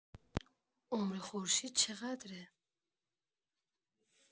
عمر خورشید چقدره؟